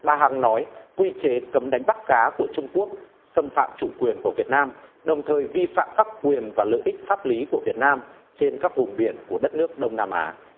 bà hằng nói quy chế cấm đánh bắt cá của trung quốc xâm phạm chủ quyền của việt nam đồng thời vi phạm các quyền và lợi ích pháp lý của việt nam trên các vùng biển của đất nước đông nam á